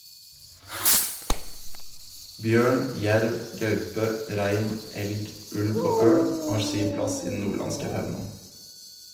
Bjørn, jerv, gaupe, rein, elg, ulv og ørn har sin plass i den nordlandske faunaen.